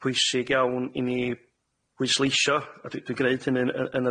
pwysig iawn i ni bwysleisio a dwi dwi'n gneud hynny'n yn